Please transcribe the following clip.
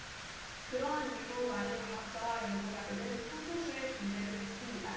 그러한 이유로 많은 과학자와 연구가들은 창조주의 존재를 믿습니다